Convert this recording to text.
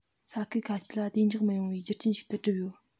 ས ཁུལ ཁ ཤས ལ བདེ འཇགས མི ཡོང བའི རྒྱུ རྐྱེན ཞིག ཏུ གྲུབ ཡོད